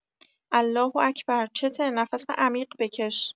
الله‌اکبر چته نفس عمیق بکش